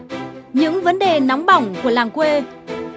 những vấn đề nóng bỏng của làng quê